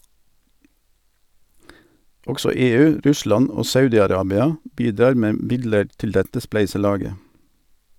Også EU, Russland og Saudi-Arabia bidrar med midler til dette spleiselaget.